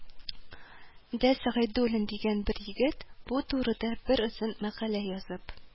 Дә сәгыйдуллин дигән бер егет, бу турыда бер озын мәкалә язып,